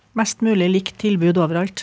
mest mulig likt tilbud overalt.